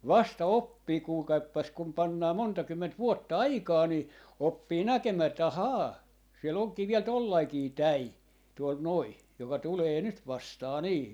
vasta oppii kuulkaapas kun pannaan monta kymmentä vuotta aikaa niin oppii näkemään että ahaa siellä onkin vielä tuollainenkin tai tuolla noin joka tulee nyt vastaan niin